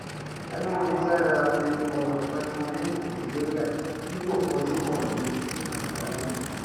Ayélujára ni ọ̀nà tuntun ní Algeria tí kò fojú hànde sí àgbáyé.